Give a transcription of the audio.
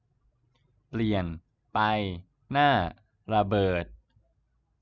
เปลี่ยนไปหน้าระเบิด